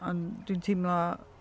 Ond dwi'n teimlo...